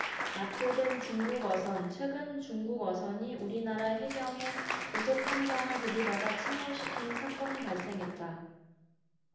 나포된 중국어선 최근 중국 어선이 우리나라 해경의 고속함정을 들이받아 침몰시키는 사건이 발생했다